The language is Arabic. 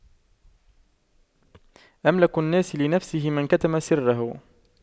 أملك الناس لنفسه من كتم سره